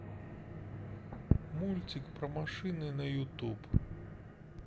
мультик про машины на ютуб